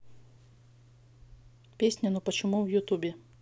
песня ну почему в ютубе